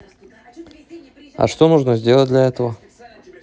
а что нужно сделать для этого